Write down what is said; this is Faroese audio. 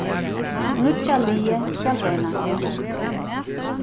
nýggja liðið skal royna seg